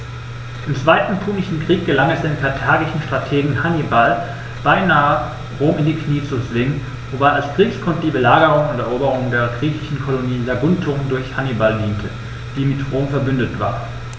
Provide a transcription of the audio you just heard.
Im Zweiten Punischen Krieg gelang es dem karthagischen Strategen Hannibal beinahe, Rom in die Knie zu zwingen, wobei als Kriegsgrund die Belagerung und Eroberung der griechischen Kolonie Saguntum durch Hannibal diente, die mit Rom „verbündet“ war.